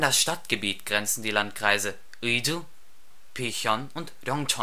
Stadtgebiet grenzen die Landkreise Ŭiju, P’ ihyŏn und Ryongch’ ŏn